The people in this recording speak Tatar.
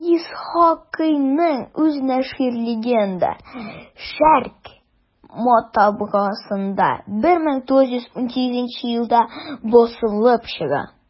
Исхакыйның үз наширлегендә «Шәрекъ» матбагасында 1918 елда басылып чыга.